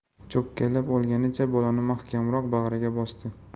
cho'kkalab olganicha bolani mahkamroq bag'riga bosdi